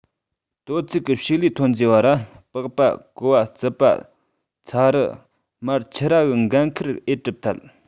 དོ ཚིགས གི ཕྱུགས ལས ཐོན རྫས བ ར ལྤགས པ ཀོ བ རྩིད པ ཚ རུ མར ཆུ ར གི འགན ཁུར ཨེ གྲུབ ཐལ